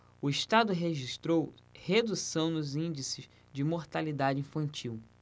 o estado registrou redução nos índices de mortalidade infantil